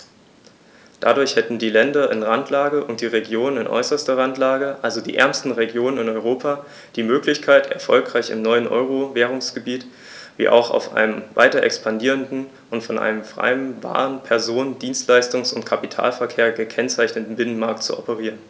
Dadurch hätten die Länder in Randlage und die Regionen in äußerster Randlage, also die ärmeren Regionen in Europa, die Möglichkeit, erfolgreich im neuen Euro-Währungsgebiet wie auch auf einem weiter expandierenden und von einem freien Waren-, Personen-, Dienstleistungs- und Kapitalverkehr gekennzeichneten Binnenmarkt zu operieren.